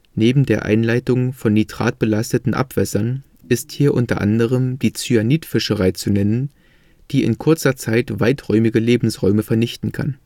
Neben der Einleitung von nitratbelasteten Abwässern ist hier unter anderem die Cyanidfischerei zu nennen, die in kurzer Zeit weiträumige Lebensräume vernichten kann